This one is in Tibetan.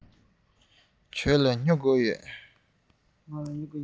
ཁྱེད རང ལ སྨྱུ གུ ཡོད པས